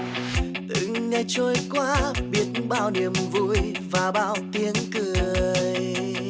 từng ngày trôi qua biết bao niềm vui và bao tiếng cười